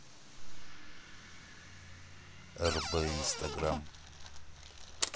rb инстаграм